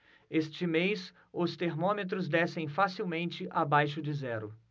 este mês os termômetros descem facilmente abaixo de zero